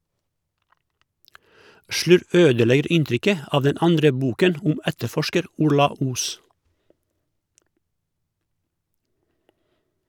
Slurv ødelegger inntrykket av den andre boken om etterforsker Orla Os.